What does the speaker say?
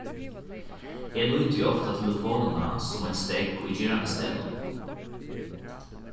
eg nýti ofta telefonina sum ein steðg í gerandisdegnum